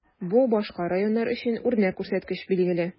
Бу башка районнар өчен үрнәк күрсәткеч, билгеле.